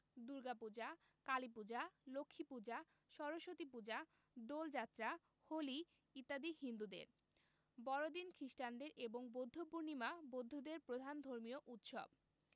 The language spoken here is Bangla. দুর্গাপূজা কালীপূজা লক্ষ্মীপূজা সরস্বতীপূজা দোলযাত্রা হোলি ইত্যাদি হিন্দুদের বড়দিন খ্রিস্টানদের এবং বৌদ্ধপূর্ণিমা বৌদ্ধদের প্রধান ধর্মীয় উৎসব